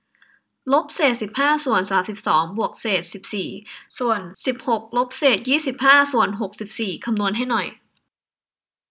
ลบเศษสิบห้าส่วนสามสิบสองบวกเศษสิบสี่ส่วนสิบหกลบเศษยี่สิบห้าส่วนหกสิบสี่คำนวณให้หน่อย